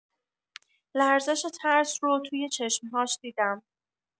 لرزش ترس رو توی چشم‌هاش دیدم.